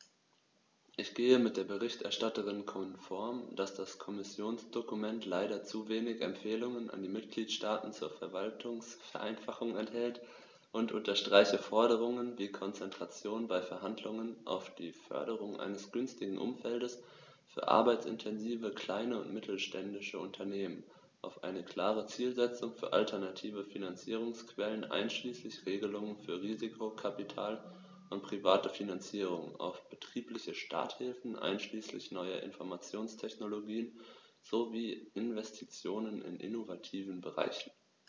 Ich gehe mit der Berichterstatterin konform, dass das Kommissionsdokument leider zu wenig Empfehlungen an die Mitgliedstaaten zur Verwaltungsvereinfachung enthält, und unterstreiche Forderungen wie Konzentration bei Verhandlungen auf die Förderung eines günstigen Umfeldes für arbeitsintensive kleine und mittelständische Unternehmen, auf eine klare Zielsetzung für alternative Finanzierungsquellen einschließlich Regelungen für Risikokapital und private Finanzierung, auf betriebliche Starthilfen einschließlich neuer Informationstechnologien sowie Investitionen in innovativen Bereichen.